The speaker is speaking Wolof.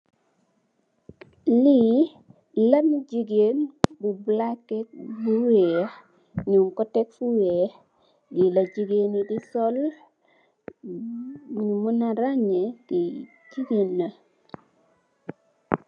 Lii lam jigéen, bu balaket bu weex, ñung ko tek fu weex. Lii la jigéen yi sol, yu muna yaañee, Kii jigéen la.